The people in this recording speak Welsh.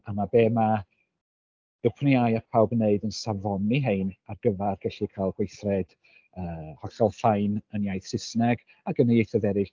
A ma' be ma' OpenAI a pawb yn wneud yn safoni hein ar gyfer gallu cael gweithred yy hollol fine yn iaith Saesneg, ac yn y ieithoedd eraill